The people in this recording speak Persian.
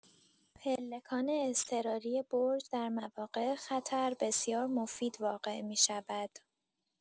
پلکان اضطراری برج در مواقع خطر بسیار مفید واقع می‌شود.